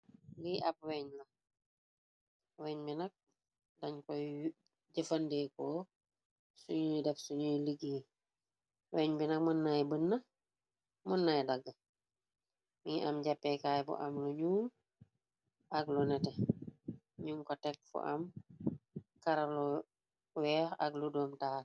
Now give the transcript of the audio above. Ngi ab weeñ la weñ bi nag dañ koy jëfandeekoo suñuy def suñuy ligg yi weñ bi nag mën nay bënna mën naay dàgg mi am jàppekaay bu am lu ñu ak lu nete ñuñ ko tek fu am karalu weex ak lu doom taar.